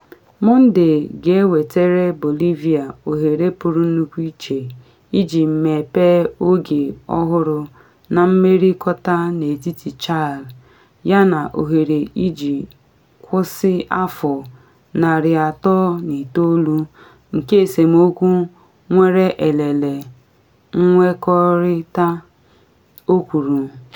Mọnde ga-ewetere Bolivia “ohere pụrụ nnukwu iche iji mepee oge ọhụrụ na mmerịkọta n’etiti Chile” yana ohere iji “kwụsị afọ 139 nke esemokwu nwere elele nwekọrịta,” o kwuru.